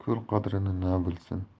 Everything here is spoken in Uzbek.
ko'l qadrini na bilsin